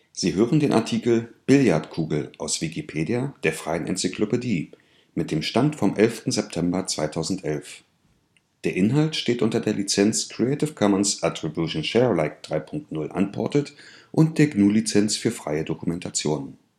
Sie hören den Artikel Billardkugel, aus Wikipedia, der freien Enzyklopädie. Mit dem Stand vom Der Inhalt steht unter der Lizenz Creative Commons Attribution Share Alike 3 Punkt 0 Unported und unter der GNU Lizenz für freie Dokumentation